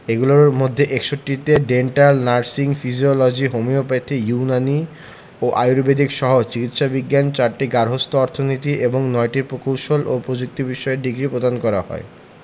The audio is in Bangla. এগুলোর মধ্যে ৬১টিতে dental nursing physiology homeopathy Unani ও আর্য়ুবেদিকসহ চিকিৎসা বিজ্ঞান ৪টি গার্হস্থ্য অর্থনীতি এবং ৯টি প্রকৌশল ও প্রযুক্তি বিষয়ে ডিগ্রি প্রদান করা হয়